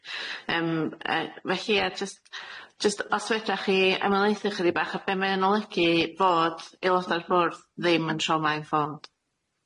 Yym yy felly ia, jyst jyst os fedrach chi ymhelaethu ychydig bach a be' ma' yn olygu bod aelodau'r bwrdd ddim yn trauma-informed?